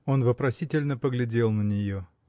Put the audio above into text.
Он вопросительно глядел на нее.